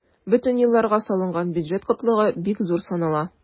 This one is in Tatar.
Бөтен елларга салынган бюджет кытлыгы бик зур санала.